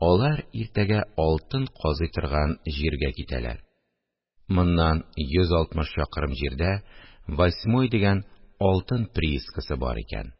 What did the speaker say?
Алар иртәгә алтын казый торган җиргә китәләр, моннан йөз алтмыш чакрым җирдә «Восьмой» дигән алтын приискасы бар икән